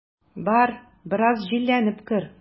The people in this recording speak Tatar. Бар, бераз җилләнеп кер.